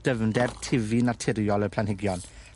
dyfnder tufu naturiol y planhigion